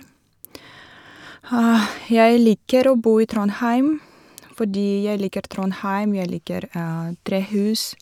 Jeg liker å bo i Trondheim, fordi jeg liker Trondheim, jeg liker trehus.